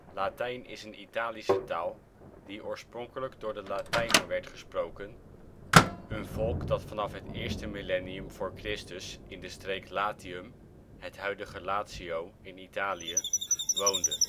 Latijn is een Italische taal die oorspronkelijk door de Latijnen werd gesproken, een volk dat vanaf het eerste millennium voor Christus in de streek Latium (het huidige Lazio, Italië) woonde